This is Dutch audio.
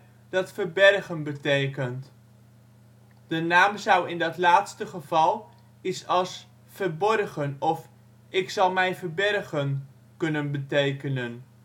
betekent: de naam zou in het laatste geval iets als verborgen of ik zal mij verbergen kunnen betekenen